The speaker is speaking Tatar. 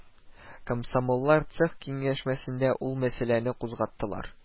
Комсомоллар цех киңәшмәсендә ул мәсьәләне кузгаттылар